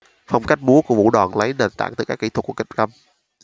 phong cách múa của vũ đoàn lấy nền tảng từ các kỹ thuật của kịch câm